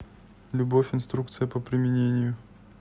любовь инструкция по применению